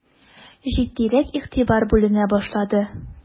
Җитдирәк игътибар бүленә башлады.